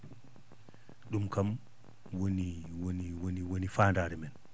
ɗum kam woni woni faandaare men